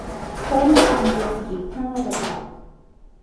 เพิ่มความเย็นอีกห้าระดับ